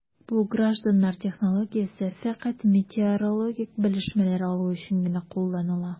Бу гражданнар технологиясе фәкать метеорологик белешмәләр алу өчен генә кулланыла...